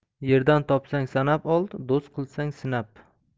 yerdan topsang sanab ol do'st qilsang sinab